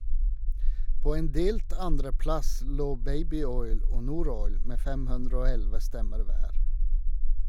På en delt andreplass lå "Babyoil" og "Noroil" med 511 stemmer hver.